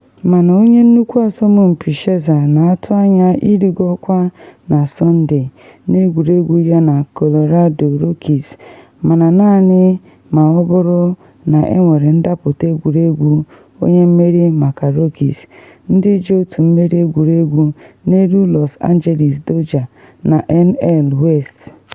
Mana onye nnukwu asọmpi Scherzer na atụ anya irigo akwa na Sọnde n’egwuregwu yana Colorado Rockies, mana naanị ma ọ bụrụ na enwere ndapụta egwuregwu onye mmeri maka Rockies, ndị ji otu mmeri egwuregwu n’elu Los Angeles Dodgers na NL West.